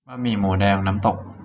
บะหมี่หมููแดงน้ำตก